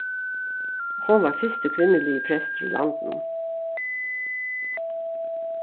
hon var fyrsti kvinnuligi prestur í landinum